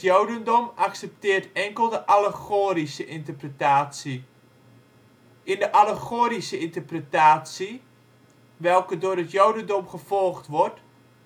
jodendom accepteert enkel de allegorische interpretatie. In de allegorische interpretatie welke door het jodendom gevolgd wordt